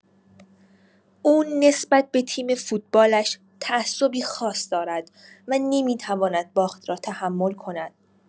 او نسبت به تیم فوتبالش تعصبی خاص دارد و نمی‌تواند باخت را تحمل کند.